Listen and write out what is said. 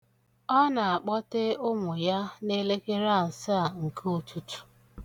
Ọ na-akpọte ụmụ ya n'elekere asaa nke ụtụtụ.